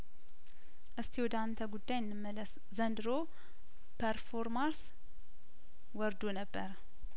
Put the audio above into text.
እስቲ ወደ አንተ ጉዳይ እንመለስ ዘንድሮ ፐርፎርማርስ ወርዶ ነበረ